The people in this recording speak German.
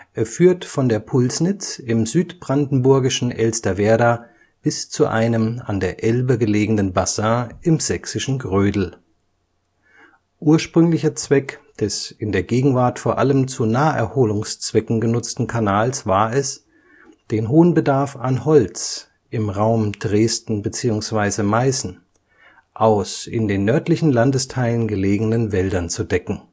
Er führt von der Pulsnitz im südbrandenburgischen Elsterwerda bis zu einem an der Elbe gelegenen Bassin im sächsischen Grödel. Ursprünglicher Zweck des in der Gegenwart vor allem zu Naherholungszwecken genutzten Kanals war es, den hohen Bedarf an Holz im Raum Dresden/Meißen aus in den nördlichen Landesteilen gelegenen Wäldern zu decken